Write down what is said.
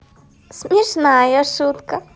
смешная шутка